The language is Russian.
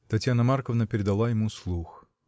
Татьяна Марковна передала ему слух.